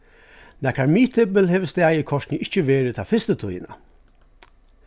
nakar miðdepil hevur staðið kortini ikki verið ta fyrstu tíðina